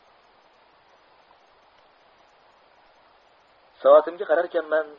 soatimga qararkanman